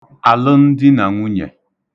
àlə̣ndinànwunyẹ̀